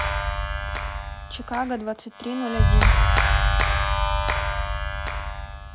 чикаго двадцать три ноль один